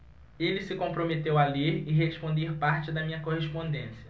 ele se comprometeu a ler e responder parte da minha correspondência